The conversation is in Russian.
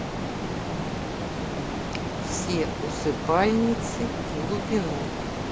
все усыпальницы глубину